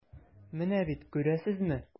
Менә бит, күрәсезме.